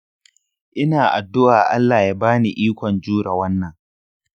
ina addu'a allah ya ba ni ikon jure wannan.